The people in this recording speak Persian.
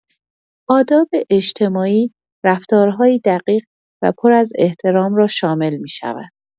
آداب اجتماعی رفتارهایی دقیق و پر از احترام را شامل می‌شود.